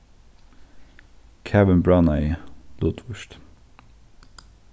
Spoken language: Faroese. kavin bráðnaði lutvíst